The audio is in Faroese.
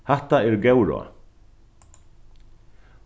hatta eru góð ráð